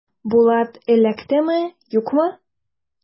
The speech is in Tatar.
Булат эләктеме, юкмы?